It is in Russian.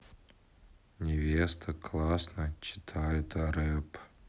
невеста классно читает рэп